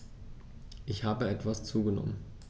Ich habe etwas zugenommen